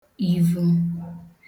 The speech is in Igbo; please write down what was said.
ivu